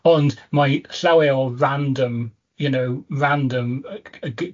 Ond mae llawer o random, you know, random y g- g- y g- g-